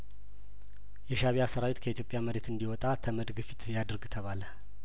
የሻእቢያሰራዊት ከኢትዮጵያ መሬት እንዲወጣ ተመድ ግፊት ያድርግ ተባለ